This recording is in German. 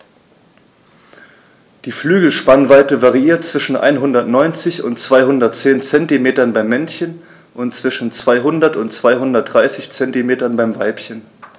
Die Flügelspannweite variiert zwischen 190 und 210 cm beim Männchen und zwischen 200 und 230 cm beim Weibchen.